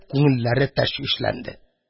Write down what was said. Күңелләре тәшвишләнде